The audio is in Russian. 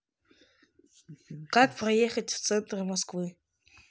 как проехать в центр москвы